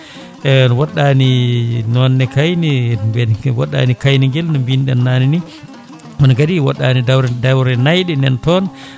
woɗɗani nonne kayne woɗɗani Kayniguel no mbino ɗen nane ni kono kadi woɗɗani Dawre Nayɗe nan toon